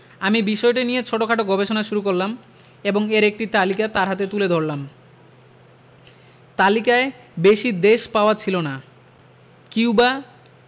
আমি বিষয়টি নিয়ে ছোটখাটো গবেষণা শুরু করলাম এবং এর একটি তালিকা তাঁর কাছে তুলে ধরলাম তালিকায় বেশি দেশ পাওয়া ছিল না কিউবা